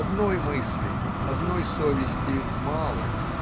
Одной мысли, одной совести мало